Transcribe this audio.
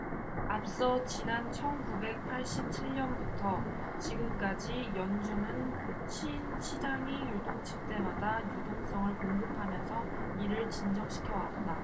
앞서 지난 천 구백 팔십 칠 년부터 지금까지 연준은 시장이 요동칠 때마다 유동성을 공급하면서 이를 진정시켜 왔다